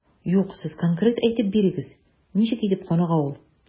Юк, сез конкрет әйтеп бирегез, ничек итеп каныга ул?